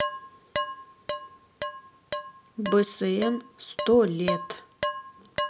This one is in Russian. бсн сто лет